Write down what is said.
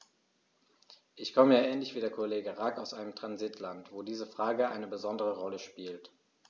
Ich komme ja ähnlich wie der Kollege Rack aus einem Transitland, wo diese Frage eine besondere Rolle spielt.